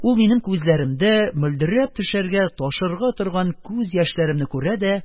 Ул минем күзләремдә мөлдерәп төшәргә-ташырга торган күз яшьләремне күрә дә,